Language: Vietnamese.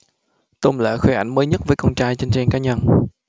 tôn lệ khoe ảnh mới nhất với con trai trên trang cá nhân